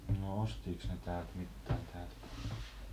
no ostivatkos ne täältä mitään täältä